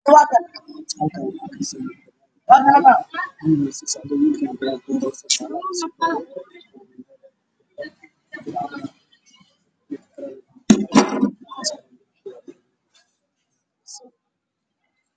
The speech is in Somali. Mise noo meel waddo ah waxaa sii socdo wiil wato fanaanad caanay shiinta ah oo ku qoran lama sagaal